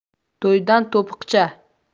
to'ydan to'piqcha